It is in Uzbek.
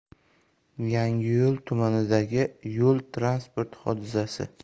yangiyo'l tumanidagi yo'l transport hodisasi